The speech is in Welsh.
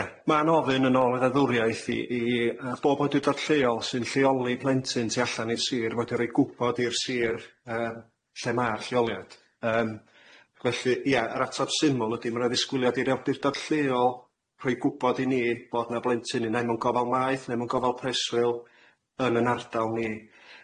Ia, ma' 'na ofyn yn ôl y ddeddfwriaeth i i i yy bob awdurdod lleol sy'n lleoli plentyn tu allan i'r sir fod i roi gwbod i'r sir yy lle ma'r lleoliad, yym felly ie yr atab syml ydi ma' 'na ddisgwyliad i'r awdurdod lleol rhoi gwbod i ni bod 'na blentyn unai mewn gofal maeth ne' mewn gofal preswyl yn yn ardal ni.